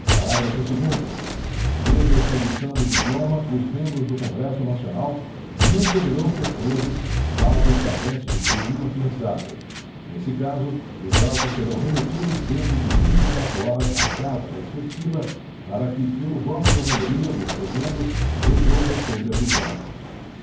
parágrafo segundo desde a expedição do diploma os membros do congresso nacional não poderão ser presos salvo em flagrante de crime inafiançável nesse caso os autos serão remetidos dentro de vinte e quatro horas à casa respectiva para que pelo voto da maioria de seus membros resolva sobre a prisão